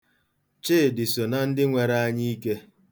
Chidi so na ndị nwere anyiike.